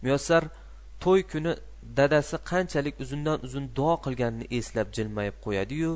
muyassar to'y kuni dadasi qanchalik uzundan uzun duo qilganini eslab jilmayib qo'yadi yu